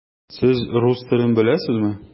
Сез рус телен беләсезме?